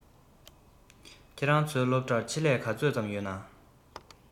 ཁྱོད རང ཚོའི སློབ གྲྭར ཆེད ལས ག ཚོད ཙམ ཡོད ན